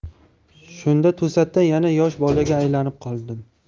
shunda to'satdan yana yosh bolaga aylanib qoldim